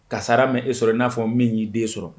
Ka sara mɛn e sɔrɔ i n'a fɔ min y'i den sɔrɔ